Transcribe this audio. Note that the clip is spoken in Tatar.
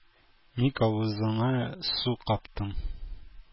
Ник авызыңа су каптың?